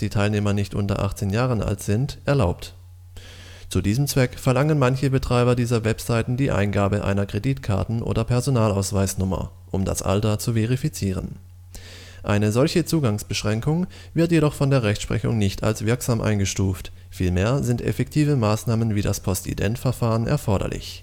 Teilnehmer nicht unter 18 Jahren alt sind, erlaubt. Zu diesem Zweck verlangen manche Betreiber dieser Webseiten die Eingabe einer Kreditkarten - oder Personalausweisnummer, um das Alter zu verifizieren. Eine solche Zugangsbeschränkung wird jedoch von der Rechtsprechung nicht als wirksam eingestuft, vielmehr sind effektive Maßnahmen wie das Postident-Verfahren erforderlich